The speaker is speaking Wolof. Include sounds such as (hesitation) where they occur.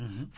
(hesitation) (hesitation)